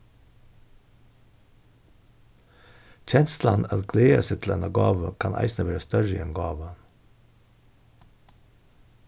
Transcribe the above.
kenslan at gleða seg til eina gávu kann eisini vera størri enn gávan